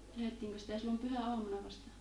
lähdettiinkö sitä silloin pyhäaamuna vasta